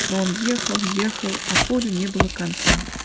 Но он ехал, ехал, а полю не было конца.